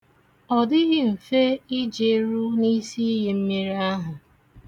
Ọdịghị mfe ijeru n'isiiyi mmiri ahụ.